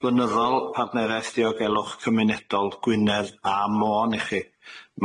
blynyddol partneriaeth diogelwch cymunedol Gwynedd a Môn i chi.